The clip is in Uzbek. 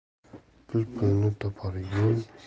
pul pulni topar